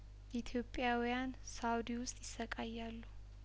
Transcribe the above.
ኢትዮጵያውያን ሳኡዲ ውስጥ ይሰቃ ያሉ